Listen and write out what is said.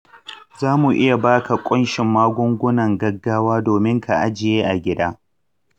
za mu iya ba ka kunshin magungunan gaggawa domin ka ajiye a gida.